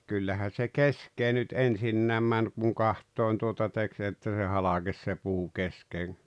kyllähän se keskeen nyt ensinnäkin meni kun katsoen tuota teki se että se halkesi se puu keskeen